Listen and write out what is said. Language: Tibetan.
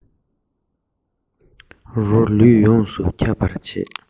རོ ལུས ཡོངས སུ ཁྱབ པར བྱེད